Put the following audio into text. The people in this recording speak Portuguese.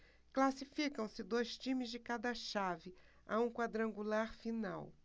classificam-se dois times de cada chave a um quadrangular final